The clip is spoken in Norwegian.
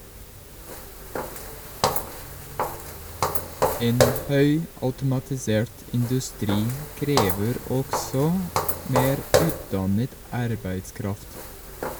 En høyautomatisert industri krever også mer utdannet arbeidskraft.